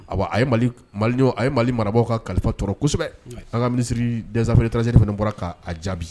A a ye a ye mali marabagaw ka kalifa tɔɔrɔ kosɛbɛ an ka minisiriri dɛsɛ tansɛ bɔra k'a jaabi